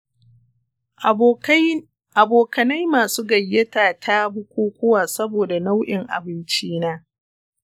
abokanai basu gayyata ta bukukuwa saboda nau'in abincina.